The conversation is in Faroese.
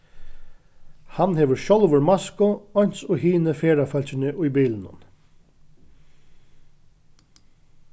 hann hevur sjálvur masku eins og hini ferðafólkini í bilinum